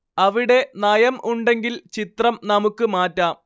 അവിടെ നയം ഉണ്ടെങ്കിൽ ചിത്രം നമുക്ക് മാറ്റാം